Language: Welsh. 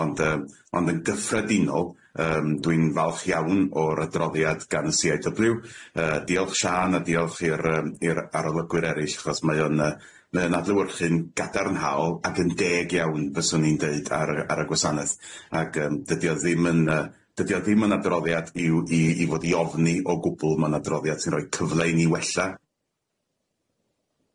Ond yym ond yn gyffredinol yym dwi'n falch iawn o'r adroddiad gan See Eye Double you yy diolch Siân a diolch i'r yym i'r arlygwyr eryll achos mae o'n yy mae o'n adlewyrchu'n gadarnhaol ac yn deg iawn fyswn i'n deud ar y ar y gwasaneth, ag yym dydi o ddim yn yy dydi o ddim yn adroddiad i'w i i fod i ofni o gwbwl ma'n adroddiad sy'n roi cyfle i ni wella.